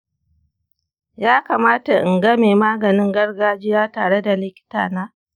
yakamata in ga mai maganin gargajiya tare da likita na?